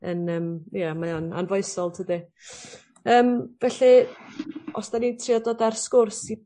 yn yym ie mae o'n anfoesol tydi? Yym felly os 'dan ni'n trio dod â'r sgwrs i